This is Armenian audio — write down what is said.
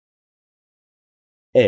Է։